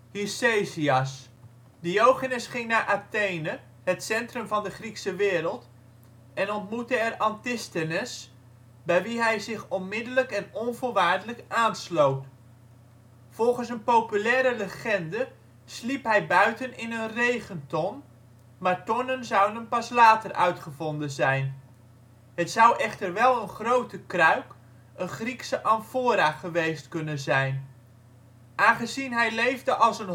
Hicesias. Diogenes ging naar Athene, het centrum van de Griekse wereld, en ontmoette er Antisthenes, bij wie hij zich onmiddellijk en onvoorwaardelijk aansloot. Diogenes in de regenton, schilderij door John William Waterhouse Volgens een populaire legende sliep hij buiten in een regenton, maar tonnen zouden pas later uitgevonden zijn. Het zou echter wel een grote kruik, een Griekse amfora, geweest kunnen zijn. Aangezien hij leefde als